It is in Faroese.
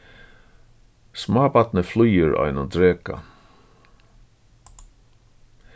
smábarnið flýgur á einum dreka